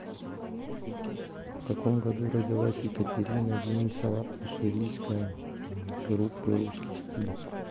в каком году родилась екатерина денисова уссурийская группы русский стиль